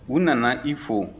u nana i fo